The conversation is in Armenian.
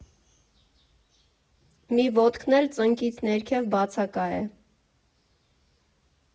Մի ոտքն էլ, ծնկից ներքև՝ բացակա է։